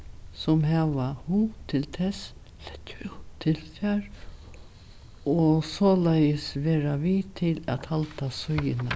sum hava hug til tess leggja út tilfar og soleiðis vera við til at halda síðuna